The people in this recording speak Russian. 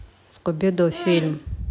скуби ду фильм